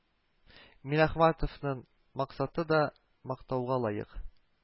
Миннәхмәтовның максаты да мактауга лаек